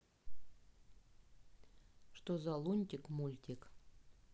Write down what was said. что за лунтик мультик